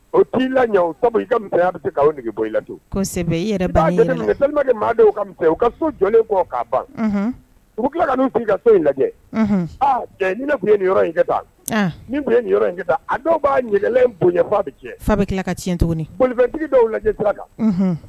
O t'i la ka bɛ se k bonya la i maa ka u ka jɔlen bɔ ka ban u tila ka sigi i ka so in lajɛ tun ye nin in min tun ye in a dɔw b'a ɲɛ in bonya bɛ fa bɛ tila ka tiɲɛ tuguni politigi dɔw lajɛ kan